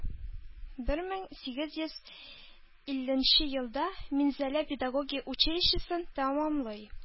Бер мең сигез йөз илленче елда Минзәлә педагогия училищесын тәмамлый